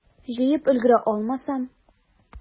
Җыеп өлгерә алмасам?